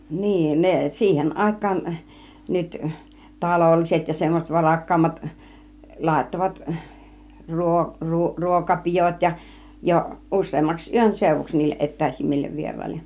niin ne siihen aikaan nyt talolliset ja semmoiset varakkaammat laittoivat -- ruokapidot ja jo useammaksi yönseuduksi niille etäisimmille vieraille